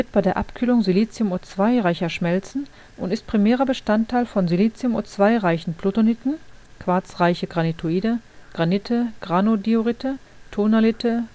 bei der Abkühlung SiO2-reicher Schmelzen und ist primärer Bestandteil von SiO2-reichen Plutoniten (Quarzreiche Granitoide, Granite, Granodiorite, Tonalite